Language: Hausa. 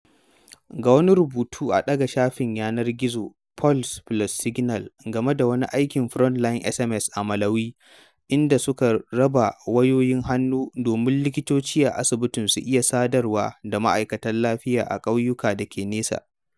Ga wani rubutu a daga shafim yanar gizon Pulse + Signal game da wani aikin FrontlineSMS a Malawi, inda suka raba wayoyin hannu, domin likitoci a asibitoci su iya sadarwa da ma’aikatan lafiya a ƙauyuka dake nesa.